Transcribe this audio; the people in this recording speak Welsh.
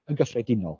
Yn gyffredinol.